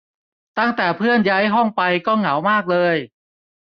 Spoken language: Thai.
ตั้งแต่เพื่อนย้ายห้องไปก็เหงามากเลย